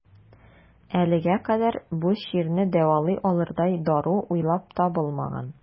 Әлегә кадәр бу чирне дәвалый алырдай дару уйлап табылмаган.